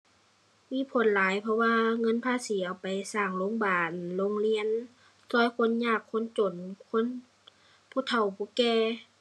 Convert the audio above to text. มีผลหลายเพราะว่าเงินภาษีเอาไปสร้างโรงบาล โรงเรียน ช่วยคนยากคนจน คน ผู้เฒ่าผู้แก่